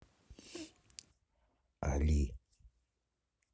али